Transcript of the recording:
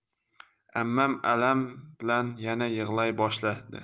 ammam alam bilan yana yig'lay boshladi